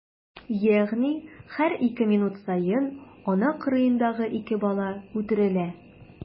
Ягъни һәр ике минут саен ана карынындагы ике бала үтерелә.